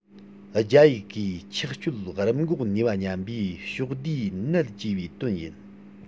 རྒྱ ཡིག གིས ཆགས སྤྱོད རིམས འགོག ནུས པ ཉམས པའི ཕྱོགས བསྡུས ནད ཅེས པའི དོན ཡིན